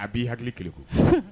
A b'i hakili kelenku